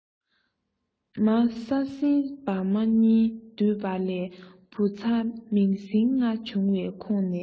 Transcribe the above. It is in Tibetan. མ ས སྲིན འབར མ གཉིས འདུས པ ལས བུ ཚ མིང སྲིང ལྔ བྱུང བའི ཁོངས ནས